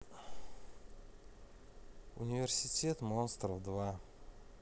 университет монстров два